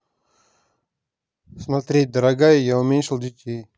смотреть дорогая я уменьшил детей